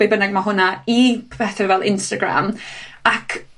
Be' bynnag ma' hwnna i bethe fel Instagram ac